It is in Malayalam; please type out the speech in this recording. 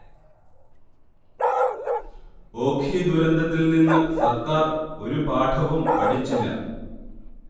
ഓഖി ദുരന്തത്തിൽ നിന്ന് സർക്കാർ ഒരു പാഠവും പടിച്ചില്ല